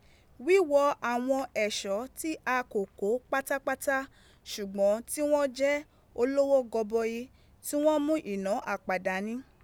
Wíwo àwọn èso tí a kò kó pátápátá ṣùgbọ́n tí wọ́n jẹ́ olówó gọbọi tí wọ́n mú ìná àpà dání.